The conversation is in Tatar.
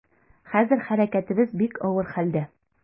Хәзер хәрәкәтебез бик авыр хәлдә.